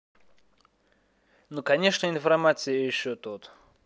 ну конечно информация и еще тут